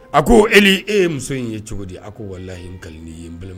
A ko e e ye muso in ye cogo di a ko wali ye nkalon' ye balima